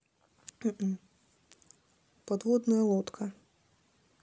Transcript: подводная лодка